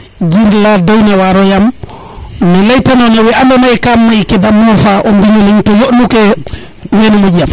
jer la doyna waaro yam ne leyta nona we ando naye ka may ke de mofa o mbiño leŋ to yonu ke yo wene moƴyaf